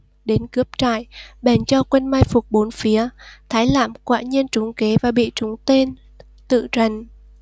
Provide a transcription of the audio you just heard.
đến cướp trại bèn cho quân mai phục bốn phía thát lãm quả nhiên trúng kế và bị trúng tên tử trận